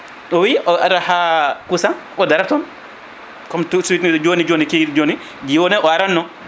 o wi o ara kuusa o daarata toon comme joni joni kihiɗe joni joni o aratno